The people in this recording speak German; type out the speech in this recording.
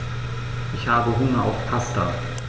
Ich habe Hunger auf Pasta.